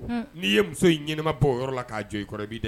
N'i ye muso ɲininma bɔ o yɔrɔ la k'a jɔ i kɔrɔ' dɛ